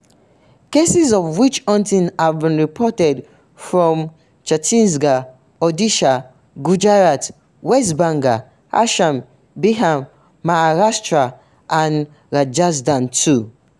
Cases of witch-hunting have been reported from Chattisgarh, Odisha, Gujarat, West Bengal Assam, Bihar, Maharashtra and Rajasthan too.